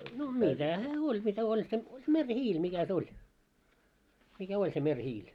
no mitä hän oli mitä oli se merihiili mikä se oli mikä oli se merihiili